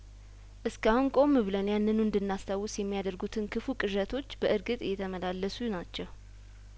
እስካሁን ቆም ብለን ያንኑ እንድናስታውስ የሚያደርጉትን ክፉ ቅዠቶች በእርግጥ የተመላለሱ ናቸው